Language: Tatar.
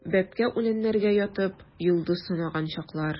Бәбкә үләннәргә ятып, йолдыз санаган чаклар.